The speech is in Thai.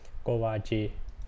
โกวาจี